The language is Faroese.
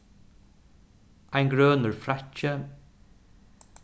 ein grønur frakki